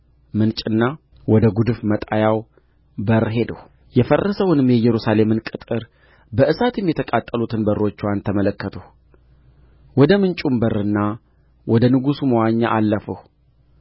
ምንጭና ወደ ጕድፍ መጣያው በር ሄድሁ የፈረሰውንም የኢየሩሳሌምን ቅጥር በእሳትም የተቃጠሉትን በሮችዋን ተመለከትሁ ወደ ምንጩም በርና ወደ ንጉሡ መዋኛ አለፍሁ